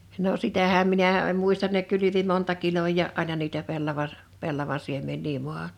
no sitähän minä en muista ne kylvi monta kiloa aina niitä pellava pellava siemeniä maahan